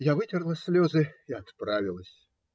Я вытерла слезы и отправилась.